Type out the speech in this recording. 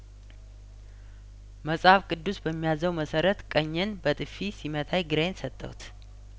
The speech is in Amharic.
መጽሀፍ ቅዱስ በሚያዘው መሰረት ቀኜን በጥፊ ሲመታኝ ግራ ዬን ሰጠሁት